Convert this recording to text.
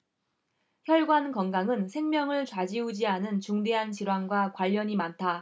혈관 건강은 생명을 좌지우지하는 중대한 질환과 관련이 많다